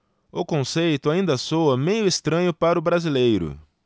o conceito ainda soa meio estranho para o brasileiro